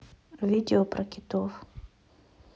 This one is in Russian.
видео про китов